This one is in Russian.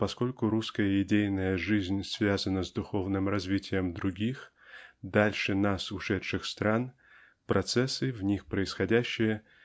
поскольку русская идейная жизнь связана с духовным развитием других дальше нас ушедших стран процессы в них происходящие